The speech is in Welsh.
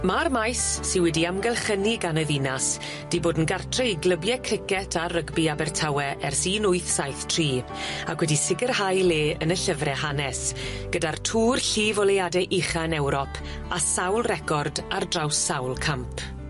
Ma'r maes sy wedi amgylchynu gan y ddinas di bod yn gartre i glybie criced a rygbi Abertawe ers un wyth saith tri ac wedi sicirhau le yn y llyfre hanes gyda'r twr llif oleuade ucha yn Ewrop a sawl record ar draws sawl camp.